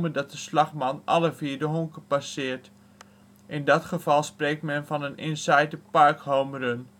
dat de slagman alle vier honken passeert. In dat geval spreekt men van een " inside the park home run